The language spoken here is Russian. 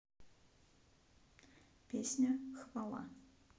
песня хвала